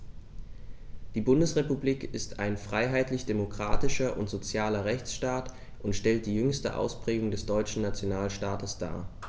Die Bundesrepublik ist ein freiheitlich-demokratischer und sozialer Rechtsstaat und stellt die jüngste Ausprägung des deutschen Nationalstaates dar.